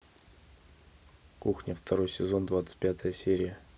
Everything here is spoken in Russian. кухня второй сезон двадцать пятая серия